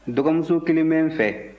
dɔgɔmuso kelen bɛ n fɛ